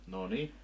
no niin